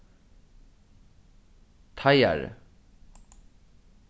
teigari